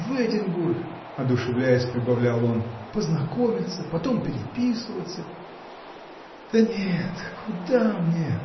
в Эдинбург, — одушевляясь, прибавлял он, — познакомиться, потом переписываться. Да нет, куда мне!